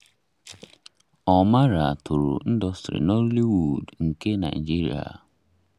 Omarah toro ndọstrị Nollywood nke Naịjirịa.